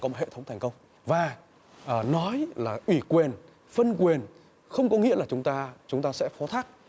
có một hệ thống thành công và ở nói ủy quyền phân quyền không có nghĩa là chúng ta chúng ta sẽ phó thác